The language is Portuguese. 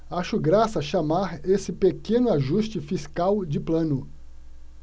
acho graça chamar esse pequeno ajuste fiscal de plano